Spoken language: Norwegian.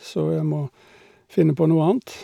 Så jeg må finne på noe annet.